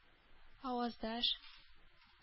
Аваздаш